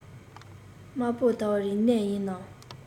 དམར པོ དག རིག གནས ཡིན ནམ